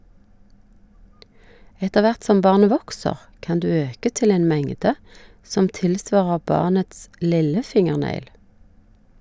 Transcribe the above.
Etter hvert som barnet vokser, kan du øke til en mengde som tilsvarer barnets lillefingernegl.